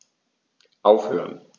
Aufhören.